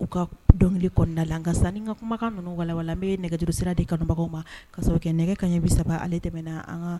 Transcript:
U ka dɔnkili kɔnɔna la . Sanni n ka kumakan ninnu walawala n bi nɛgɛjuru sira di kanubagaw ma ka sabu kɛ nɛgɛ kanɲɛ 30 ale tɛmɛ na an ka